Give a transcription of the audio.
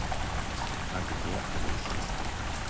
а где алиса